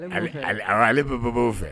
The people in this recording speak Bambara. Awɔ, ale bɛ bobow fɛ.